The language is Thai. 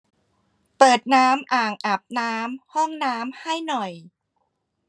เปิดน้ำอ่างอาบน้ำห้องน้ำให้หน่อย